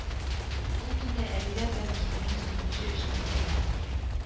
Ул көнне Әдилә белән Рөстәмнең сөенече эченә сыймады